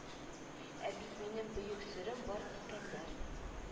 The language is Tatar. Ә бит минем бөек серем бар искәндәр